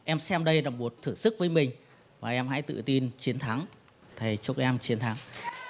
em xem đây là một thử sức với mình và em hãy tự tin chiến thắng thầy chúc em chiến thắng